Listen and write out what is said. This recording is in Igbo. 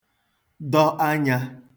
dọ anyā